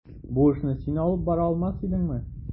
Бу эшне син алып бара алмас идеңме?